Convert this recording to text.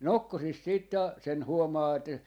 nokkosissa sitten - sen huomaa että